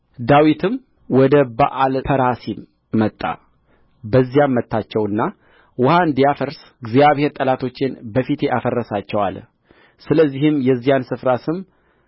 ዳዊትም ወደ በኣልፐራሲም መጣ በዚያም መታቸውና ውኃ እንዲያፈርስ እግዚአብሔር ጠላቶቼን በፊቴ አፈረሳቸው አለ ስለዚህም የዚያን ስፍራ ስም